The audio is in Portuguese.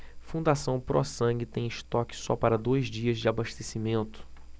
fundação pró sangue tem estoque só para dois dias de abastecimento